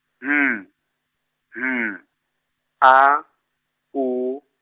M M A O.